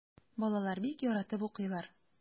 Балалар бик яратып укыйлар.